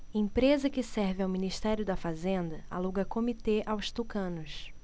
empresa que serve ao ministério da fazenda aluga comitê aos tucanos